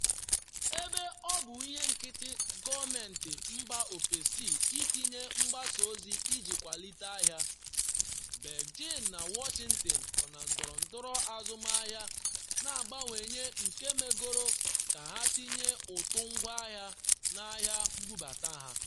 Ebe ọ bụ ihe nkiti gọọmentị mba ofesi itinye mgbasa ozi iji kwalite ahịa, Beijing na Washington nọ na ndọrọndọrọ azụmahịa na-abawanye nke megoro ka ha tinye ụtụ ngwahịa na ahịa mbubadata ha.